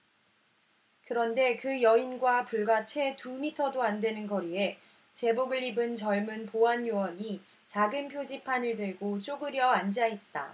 그런데 그 여인과 불과 채 두 미터도 안 되는 거리에 제복을 입은 젊은 보안 요원이 작은 표지판을 들고 쪼그려 앉아 있다